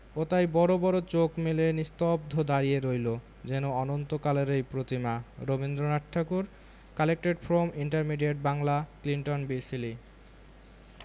ও তাই বড় বড় চোখ মেলে নিস্তব্ধ দাঁড়িয়ে রইল যেন অনন্তকালেরই প্রতিমা Rabindranath Thakur collected from intermediate Bangla Bengali Clinton B Seely